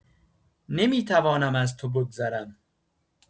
نمی‌توانم از تو بگذرم!